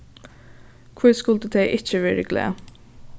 hví skuldu tey ikki verið glað